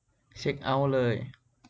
เช็คเอ้าท์เลย